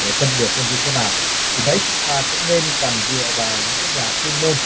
để phân biệt hơn như thế nào đấy chúng ta cũng nên cần dựa vào những nhà chuyên môn